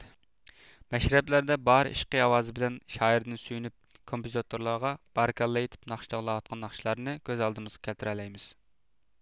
مەشرەپلەردە بار ئىشقى ئاۋازى بىلەن شائىردىن سۆيۈنۈپ كومپوزىتورلارغا بارىكاللا ئېيتىپ ناخشا توۋلاۋاتقان ناخشىچىلارنى كۆز ئالدىمىزغا كەلتۈرەلەيمىز